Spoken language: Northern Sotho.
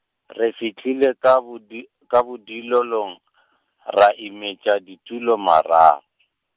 re fihlile ka bodi-, ka bodulelong , ra imetša ditulo marago.